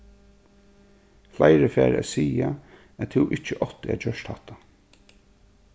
fleiri fara at siga at tú ikki átti at gjørt hatta